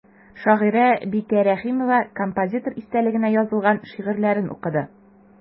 Шагыйрә Бикә Рәхимова композитор истәлегенә язылган шигырьләрен укыды.